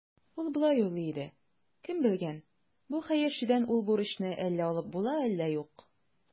Ул болай уйлый иде: «Кем белгән, бу хәерчедән ул бурычны әллә алып була, әллә юк".